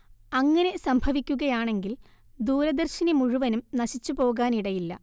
അങ്ങനെ സംഭവിക്കുകയാണെങ്കിൽ ദൂരദർശിനി മുഴുവനും നശിച്ചുപോകാനിടയില്ല